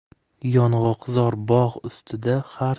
yong'oqzor bog' ustida har